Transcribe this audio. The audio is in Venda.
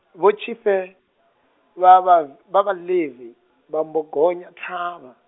Vho Tshifhe, vha vha, vha Vhaḽevi, vha mbo gonya ṱhavha.